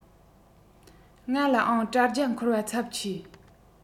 ང ལ ཡང དྲ རྒྱར འཁོར བ འཚབ ཆེ